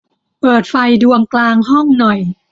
เปิดไฟดวงกลางห้องหน่อย